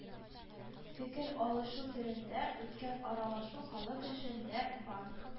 Фикер алышу төрендә үткән аралашу халык өчен дә, банк